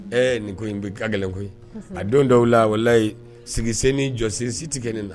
Ɛ nin ko bɛ ka gɛlɛn koyi a don dɔw la walayi sigisenni jɔsisi tigɛ ne na